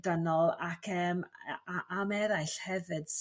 dynol ac emm a a am eraill hefyd